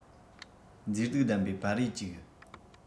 མཛེས སྡུག ལྡན པའི པར རིས ཅིག